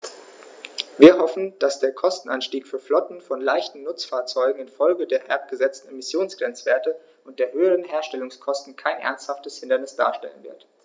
Wir hoffen, dass der Kostenanstieg für Flotten von leichten Nutzfahrzeugen in Folge der herabgesetzten Emissionsgrenzwerte und der höheren Herstellungskosten kein ernsthaftes Hindernis darstellen wird.